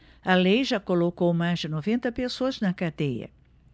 a lei já colocou mais de noventa pessoas na cadeia